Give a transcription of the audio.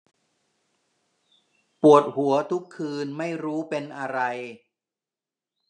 ปวดหัวทุกคืนไม่รู้เป็นอะไร